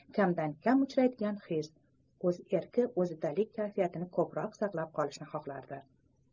kamdan kam uchraydigan his o'z erki o'zidalik kayfiyatini ko'proq saqlab qolishni xohlardi